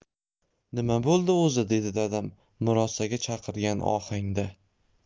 nima bo'ldi o'zi dedi dadam murosaga chaqirgan ohangda